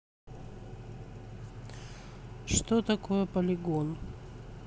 что такое полигон